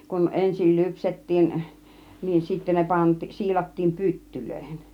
kun ensin lypsettiin niin sitten ne - siilattiin pyttyihin